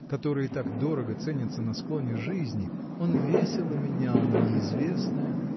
которые так дорого ценятся на склоне жизни он весело менял на неизвестное